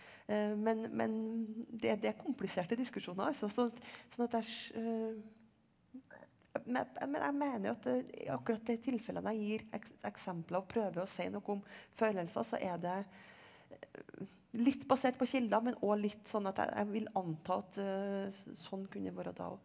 men men det det er kompliserte diskusjoner altså sånn at sånn at jeg men jeg mener jo at i akkurat de tilfellene jeg gir eksempler og prøver å si noe om følelser så er det litt basert på kildene men og litt sånn at jeg jeg vil anta at sånn kunne vært da òg.